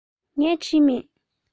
ངས བྲིས མེད